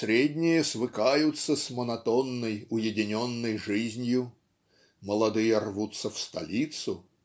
средние свыкаются с монотонной, уединенной жизнью молодые рвутся в столицу